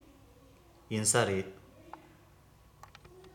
ཡིན ས རེད